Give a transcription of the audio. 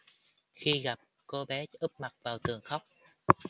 khi gặp cô bé chỉ úp mặt vào tường khóc